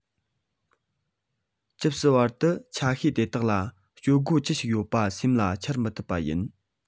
ཇི སྲིད བར དུ ཆ ཤས དེ དག ལ སྤྱོད སྒོ ཅི ཞིག ཡོད པ སེམས ལ འཆར མི ཐུབ པ ཡིན